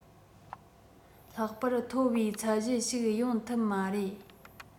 ལྷག པར མཐོ བའི ཚད གཞི ཞིག ཡོང ཐུབ མ རེད